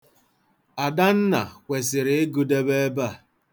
Adanna kwesịrị ịgụdebe ebe a.